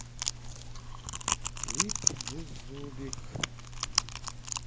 клип беззубик